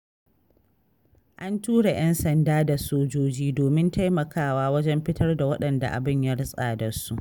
An tura 'yan sanda da sojoji domin taimakawa wajen fitar da waɗanda abin ya rutsa da su.